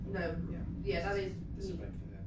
No... ...yeah, that is me. ...It's the vibe for him.